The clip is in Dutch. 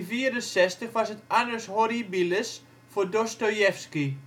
1864 was het annus horribilis voor Dostojevski